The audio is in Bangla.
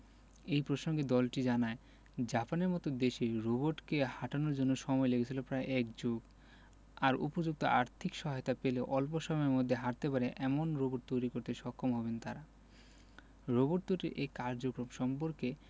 এ প্রসঙ্গে দলটি জানায় জাপানের মতো দেশে রোবটকে হাঁটানোর জন্য সময় লেগেছিল প্রায় এক যুগ আর উপযুক্ত আর্থিক সহায়তা পেলে অল্প সময়ের মধ্যেই হাঁটতে পারে এমন রোবট তৈরি করতে সক্ষম হবেন তারা রোবট তৈরির এ কার্যক্রম সম্পর্কে